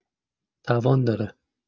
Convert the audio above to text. توان داره